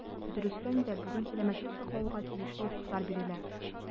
Дөрестән дә, бүген сәламәтлек саклауга тиешле игътибар бирелә.